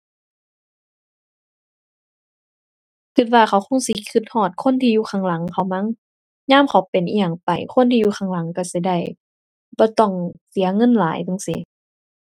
คิดว่าเขาคงสิคิดฮอดคนที่อยู่ข้างหลังเขามั้ง ยามเขาเป็นอิหยังไปคนที่อยู่ข้างหลังคิดสิได้ บ่ต้องเสียเงินหลายจั่งซี้